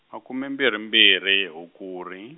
makume mbirhi mbirhi Hukuri.